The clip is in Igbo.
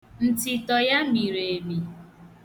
Ntịtọ ya miri emi.